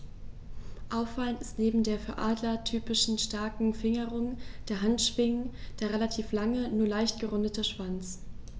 Auffallend ist neben der für Adler typischen starken Fingerung der Handschwingen der relativ lange, nur leicht gerundete Schwanz.